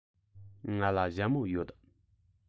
ང ལ ཞྭ མོ ཡོད